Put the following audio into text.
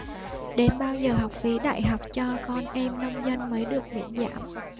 đến bao giờ học phí đại học cho con em nông dân mới được miễn giảm